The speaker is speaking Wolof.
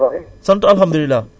na nga def waay